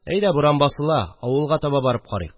Әйдә, буран басыла, авылга таба барып карыйк